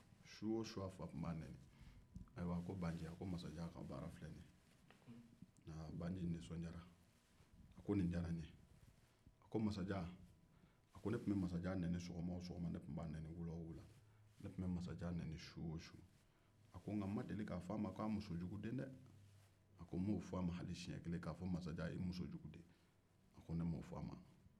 ne tun bɛ masajan nɛni su o su tile o tile nka n ma deli k'a fɔ a ma k'a musojuguden dɛ a ko n ma o fɔ a ma hali siɲɛ kelen n m'o fɔ a ma